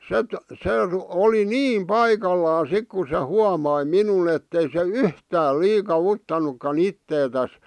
sitten se - oli niin paikallaan sitten kun se huomasi minun että ei se yhtään liikauttanutkaan itseään